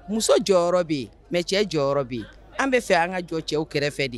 Muso jɔyɔrɔ bɛ mɛ cɛ jɔyɔrɔ bɛ an bɛ fɛ an ka jɔ cɛw kɛrɛfɛ de